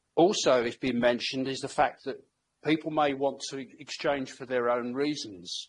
Also, it's been mentioned is the fact that people may want to exchange for their own reasons.